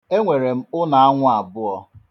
Enwere m ụlọ̀anwụ̄ àbụ̀ọ.